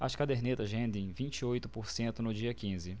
as cadernetas rendem vinte e oito por cento no dia quinze